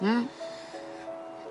Hmm.